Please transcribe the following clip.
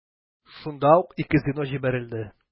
Шунда ук ике звено җибәрелде.